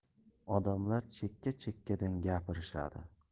odamlar chekka chekkadan gapirishadi